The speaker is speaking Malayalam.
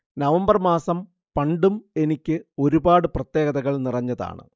നവംബർ മാസം പണ്ടും എനിക്ക് ഒരുപാട് പ്രത്യേകതകൾ നിറഞ്ഞതാണ്